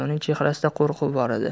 uning chehrasida qo'rquv bor edi